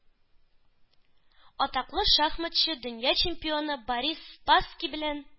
Атаклы шахматчы, дөнья чемпионы борис спасский белән